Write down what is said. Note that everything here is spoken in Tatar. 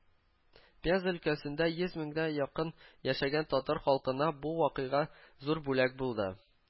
Пенза өлкәсендә йөз меңгә якын яшәгән татар халкына бу вакыйга зур бүләк булды